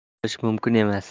boshqacha bo'lishi mumkin emas